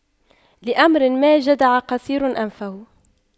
لأمر ما جدع قصير أنفه